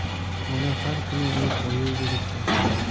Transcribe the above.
ona har kuni uni koyiyverib charchadi